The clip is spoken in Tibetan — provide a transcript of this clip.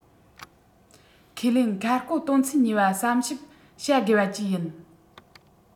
ཁས ལེན ཁ སྐོང དོན ཚན གཉིས པ བསམ ཞིབ བྱ དགོས པ བཅས ཡིན